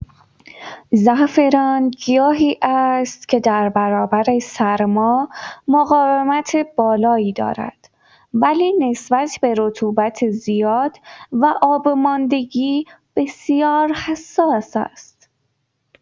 زعفران گیاهی است که در برابر سرما مقاومت بالایی دارد ولی نسبت به رطوبت زیاد و آب‌ماندگی بسیار حساس است.